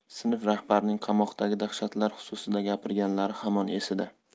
sinf rahbarining qamoqdagi dahshatlar xususida gapirganlari hamon esida